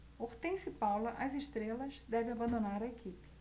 hortência e paula as estrelas devem abandonar a equipe